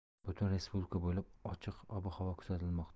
butun respublika bo'ylab ochiq ob havo kuzatilmoqda